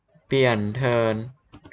เปลี่ยนเทิร์น